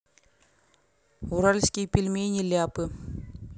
уральские пельмени ляпы